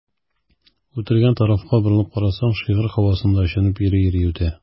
Үтелгән тарафка борылып карасаң, шигырь һавасында очынып йөри-йөри үтә.